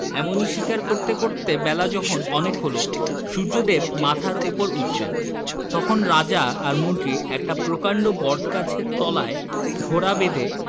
এমনি শিকার করতে করতে বেলা যখন অনেক হল সূর্যদেব মাথার উপর উঠলেন তখন রাজা আর মন্ত্রী একটা প্রকাণ্ড বটগাছের তলায় ঘোড়া বেঁধে